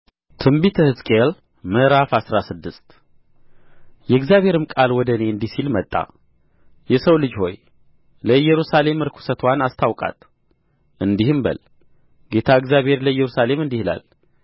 ትንቢተ ሕዝቅኤል ምዕራፍ አስራ ስድስት የእግዚአብሔርም ቃል ወደ እኔ እንዲህ ሲል መጣ የሰው ልጅ ሆይ ለኢየሩሳሌም ርኵሰትዋን አስታውቃት እንዲህም በል ጌታ እግዚአብሔር ለኢየሩሳሌም እንዲህ ይላል